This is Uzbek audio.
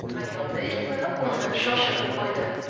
xayoli esa uni shoshirib qo'ydi